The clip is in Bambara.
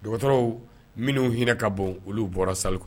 Dɔgɔtɔrɔw minnu hinɛ ka bɔ olu bɔra sali